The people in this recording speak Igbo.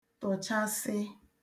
tụ̀chasị